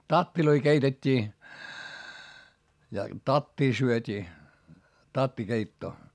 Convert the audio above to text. tatteja keitettiin ja tattia syötiin tattikeittoa